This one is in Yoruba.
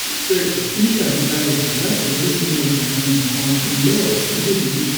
Sainsbury's ńṣàgbékalẹ̀ ètò láti wọlé sínú ọjà àwọn nǹkan afúnnilẹ́wà ti orílẹ̀-èdè UK